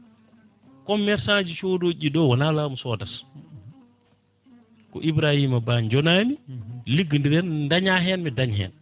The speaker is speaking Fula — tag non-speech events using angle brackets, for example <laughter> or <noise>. coomerçant ji sodoji ɗo wona laamu sodata <smacks lips> ko Ibrahima Ba jonami <smacks lips> liggodiren daña hen mi daña hen